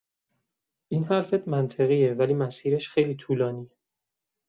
این حرفت منطقیه، ولی مسیرش خیلی طولانیه.